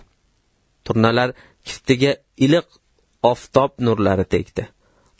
turnalar kiftiga iliq oftob nurlari tegdi